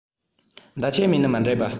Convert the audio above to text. མདའ ཆས མེད ན མ འགྲིག པ